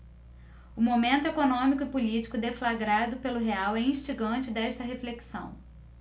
o momento econômico e político deflagrado pelo real é instigante desta reflexão